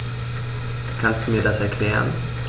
Kannst du mir das erklären?